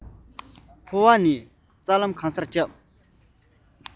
ཕོ བ ཕོ བ ནས རྩ ལམ གང སར ཁྱབ